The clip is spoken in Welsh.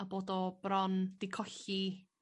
A bod o bron 'di colli